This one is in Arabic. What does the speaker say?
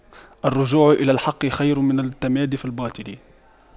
الرجوع إلى الحق خير من التمادي في الباطل